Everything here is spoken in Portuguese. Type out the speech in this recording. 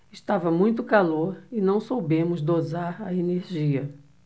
estava muito calor e não soubemos dosar a energia